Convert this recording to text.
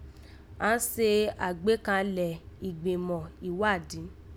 Àán se àgbékanlẹ̀ ìgbìmà ìwádìí